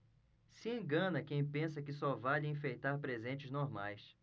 se engana quem pensa que só vale enfeitar presentes normais